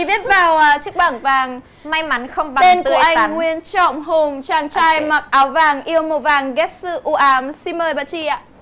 viết vào bảng vàng may mắn không bằng tên của anh nguyễn trọng hùng chàng trai mặc áo vàng yêu màu vàng ghét sự u ám xin mời bạn chi ạ